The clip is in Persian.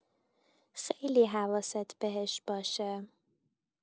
خیلی حواست بهش باشه.